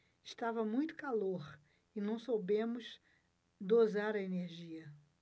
estava muito calor e não soubemos dosar a energia